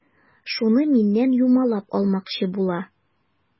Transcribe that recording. Шуны миннән юмалап алмакчы була.